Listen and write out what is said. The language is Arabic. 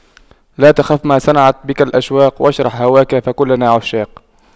لا تخف ما صنعت بك الأشواق واشرح هواك فكلنا عشاق